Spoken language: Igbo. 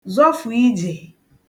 zọfụ̀ ijè